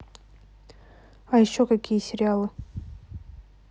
а еще какие сериалы